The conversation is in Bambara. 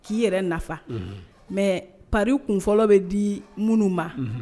K'i yɛrɛ nafa mɛ pari kunfɔlɔ bɛ di minnu ma